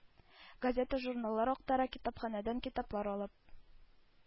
Газета-журналлар актара, китапханәдән китаплар алып